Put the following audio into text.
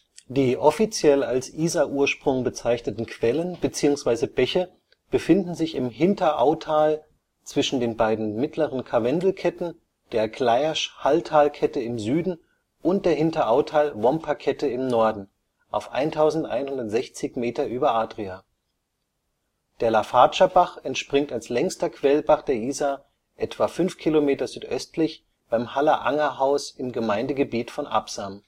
Die offiziell als Isar-Ursprung bezeichneten Quellen bzw. Bäche befinden sich im Hinterautal zwischen den beiden mittleren Karwendelketten, der Gleirsch-Halltal-Kette im Süden und der Hinterautal-Vomper-Kette im Norden, auf 1160 m ü. A.. Der Lafatscherbach entspringt als längster Quellbach der Isar etwa fünf Kilometer südöstlich beim Hallerangerhaus im Gemeindegebiet von Absam